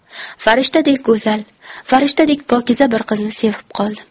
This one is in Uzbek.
farishtadek go'zal farishtadek pokiza bir qizni sevib qoldim